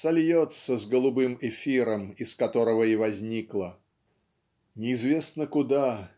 сольется с голубым эфиром из которого и возникла". Неизвестно куда